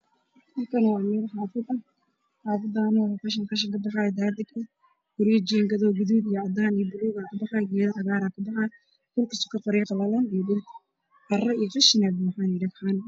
Waa meel xaafad ah qashin